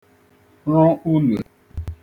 rụ ulùò